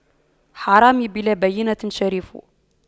حرامي بلا بَيِّنةٍ شريف